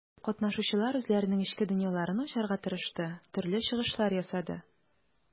Катнашучылар үзләренең эчке дөньяларын ачарга тырышты, төрле чыгышлар ясады.